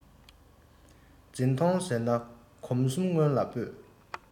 འཛིང ཐོངས ཟེར ན གོམ གསུམ སྔོན ལ སྤོས